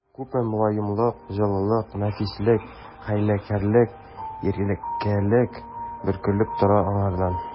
Күпме мөлаемлык, җылылык, нәфислек, хәйләкәрлек, иркәлек бөркелеп тора аңардан!